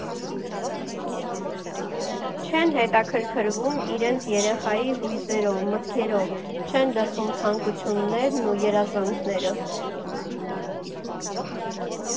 Չեն հետաքրքրվում իրենց երեխայի հույզերով, մտքերով, չեն լսում ցանկություններն ու երազանքները։